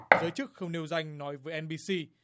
giới chức không nêu danh nói với en bi xi